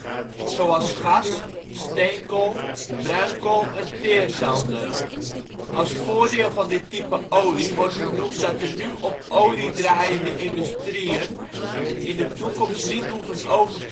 zoals gas, steenkool, bruinkool en teerzanden. Als voordeel van dit type olie wordt genoemd dat de nu op olie draaiende industrieën in de toekomst niet hoeven over